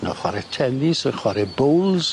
Nawr chware tennis yn chware bowls.